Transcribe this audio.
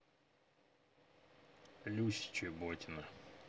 люся чебонита